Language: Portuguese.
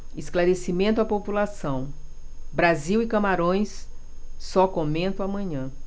esclarecimento à população brasil e camarões só comento amanhã